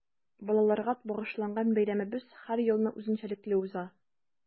Балаларга багышланган бәйрәмебез һәр елны үзенчәлекле уза.